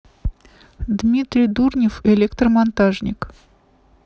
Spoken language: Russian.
дмитрий дурнев электромонтажник